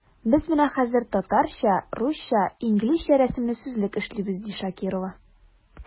Без менә хәзер “Татарча-русча-инглизчә рәсемле сүзлек” эшлибез, ди Шакирова.